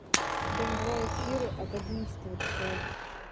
дом два эфиры от одиннадцатого числа